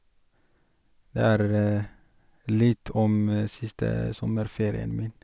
Det er litt om siste sommerferien min.